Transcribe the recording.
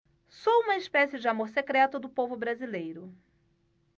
sou uma espécie de amor secreto do povo brasileiro